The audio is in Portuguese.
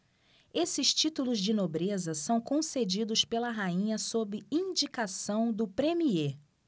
esses títulos de nobreza são concedidos pela rainha sob indicação do premiê